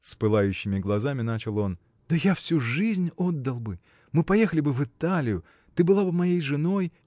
— с пылающими глазами начал он, — да я всю жизнь отдал бы — мы поехали бы в Италию — ты была бы моей женой.